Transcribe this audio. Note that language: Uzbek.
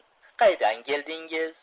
qaydan keldingiz